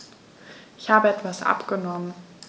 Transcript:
Ich habe etwas abgenommen.